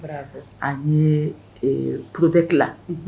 An ye porote tila